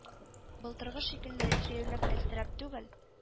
Былтыргы шикелле җәяүләп, әлсерәп түгел